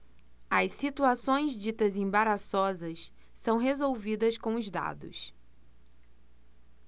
as situações ditas embaraçosas são resolvidas com os dados